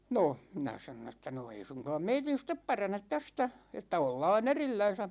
no minä sanoin että no ei suinkaan meidän sitten parane tästä että ollaan erillänsä